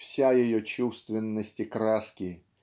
вся ее чувственность и краски